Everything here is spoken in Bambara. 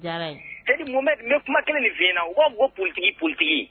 Diyar'a ye, e Mohamɛdi n bɛ kuma kelen de f'i ɲɛna u b'a fɔ ko politique politique